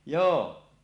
joo